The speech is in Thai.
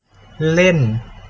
เล่น